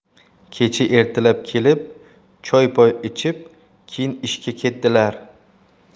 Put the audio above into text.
kecha ertalab kelib choy poy ichib keyin ishga ketdilar